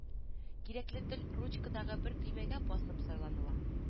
Кирәкле тел ручкадагы бер төймәгә басып сайланыла